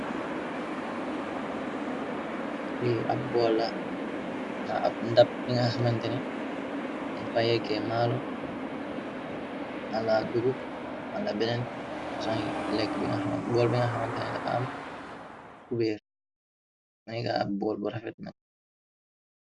Lii ab boolana ab, ndap bi nga xamantene dañ fày yekkee maalo, mala dugub, mala beneen pasoŋ yi lekk, bool bi nga xamantene dafa am kubeer, nonika ab bool bu rafet ne.